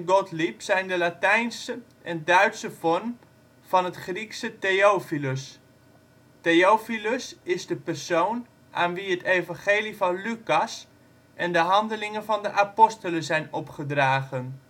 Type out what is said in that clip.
Gottlieb zijn de Latijnse en de Duitse vorm van het Griekse Theophilus. Theophilus is de persoon aan wie het evangelie van Lucas en de Handelingen van de Apostelen zijn opgedragen